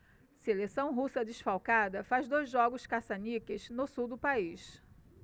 seleção russa desfalcada faz dois jogos caça-níqueis no sul do país